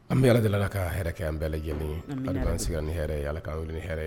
An bɛ ala lajɛlenla ka hɛrɛ an bɛɛ lajɛlen ka an sigi ni hɛrɛ ye ala ka ye hɛrɛ